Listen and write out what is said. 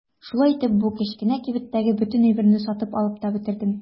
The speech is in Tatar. Шулай итеп бу кечкенә кибеттәге бөтен әйберне сатып алып та бетердем.